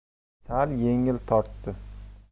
sal yengil tortdi